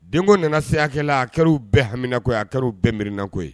Denko nana sekɛla la a kɛra u bɛɛ hamiko a kɛra u bɛn mirininako ye